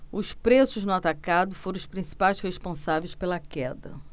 os preços no atacado foram os principais responsáveis pela queda